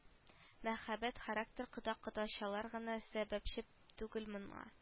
Мәхәббәт характер кода-кодачалар гына сәбәпче түгел моңа